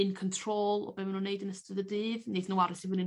in control o be' ma' nw'n neud yn ystod y dydd neith nw aros i fyny'n